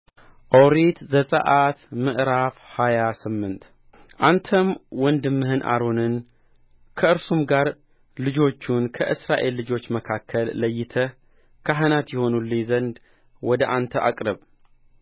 ኦሪት ዘጽአት ምዕራፍ ሃያ ስምንት አንተም ወንድምህን አሮንን ከእርሱም ጋር ልጆቹን ከእስራኤል ልጆች መካከል ለይተህ ካህናት ይሆኑልኝ ዘንድ ወደ አንተ አቅርብ